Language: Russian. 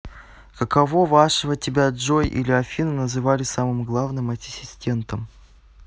какого вашего тебя джой или афину называли самым главным ассистентом